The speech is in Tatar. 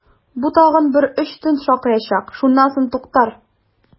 Бу тагын бер өч төн шакыячак, шуннан соң туктар!